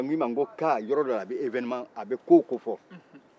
sɛpurukɔ n ko e ma ko ka yɔrɔ dɔ la a bɛ ewenema a bɛ ko kɔ fɔ